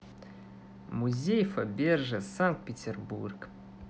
музей фаберже санкт петербург